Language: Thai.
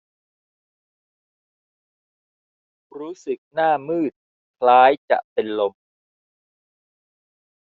รู้สึกหน้ามืดคล้ายจะเป็นลม